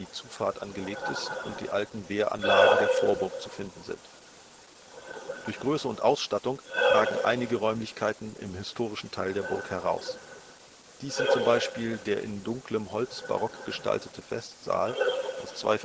Zufahrt angelegt ist und die alten Wehranlagen der Vorburg zu finden sind. Durch Größe und Ausstattung ragen einige Räumlichkeiten im historischen Teil der Burg heraus. Dies sind zum Beispiel der in dunklem Holz barock gestaltete Festsaal aus zwei